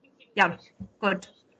Iawn good.